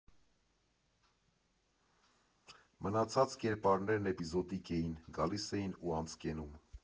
Մնացած կերպարներն էպիզոդիկ էին, գալիս էին ու անց կենում։